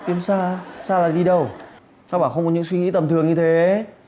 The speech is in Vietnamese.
tiến xa á xa là đi đâu sao bảo không có những suy nghĩ tầm thường như thế